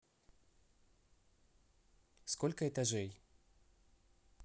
сколько этажей